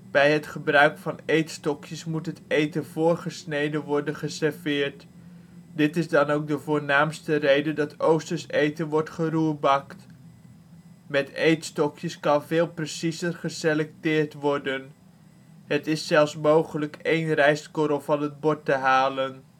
Bij het gebruik van eetstokjes moet het eten voorgesneden worden geserveerd. Dit is dan ook de voornaamste reden dat oosters eten wordt geroerbakt. Met eetstokjes kan veel preciezer geselecteerd worden — het is zelfs mogelijk één rijstkorrel van het bord te halen